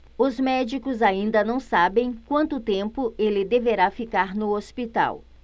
os médicos ainda não sabem quanto tempo ele deverá ficar no hospital